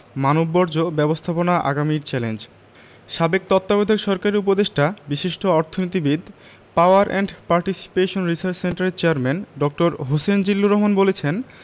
মানববর্জ্য ব্যবস্থাপনা আগামীর চ্যালেঞ্জ সাবেক তত্ত্বাবধায়ক সরকারের উপদেষ্টা বিশিষ্ট অর্থনীতিবিদ পাওয়ার অ্যান্ড পার্টিসিপেশন রিসার্চ সেন্টারের চেয়ারম্যান ড.হোসেন জিল্লুর রহমান বলেছেন